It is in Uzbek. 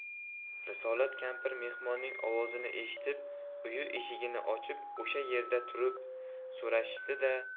risolat kampir mehmonning ovozini eshitib uyi eshigini ochib o'sha yerda turib so'rashdi da